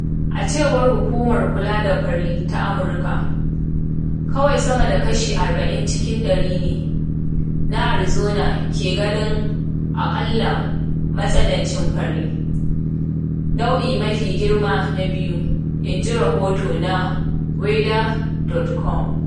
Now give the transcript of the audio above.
A cewar Hukumar Kula da Fari ta Amurka, kawai sama da kashi 40 cikin ɗari ne na Arizona ke ganin aƙalla matsanancin fari, nau’i mafi girma na biyu,” inji rahoto na weather.com.